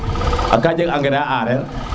ka jeg engais a areer